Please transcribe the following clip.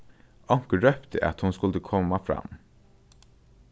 onkur rópti at hon skuldi koma fram